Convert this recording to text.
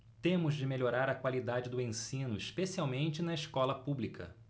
temos de melhorar a qualidade do ensino especialmente na escola pública